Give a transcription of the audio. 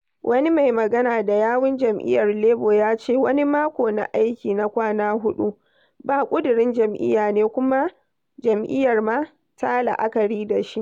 Wani mai magana da yawun Jam'iyyar Labour ya ce: Wani mako na aiki na kwana huɗu ba ƙudurin jam'iyya ne kuma jam'iyyar ma ta la'akari da shi.'